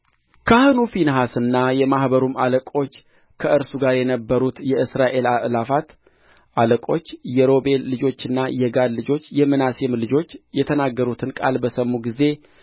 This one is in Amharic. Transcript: ካህኑ ፊንሐስና የማኅበሩ አለቆች ከእርሱ ጋር የነበሩት የእስራኤል አእላፋት አለቆች የሮቤል ልጆችና የጋድ ልጆች የምናሴም ልጆች የተናገሩትን ቃል በሰሙ ጊዜ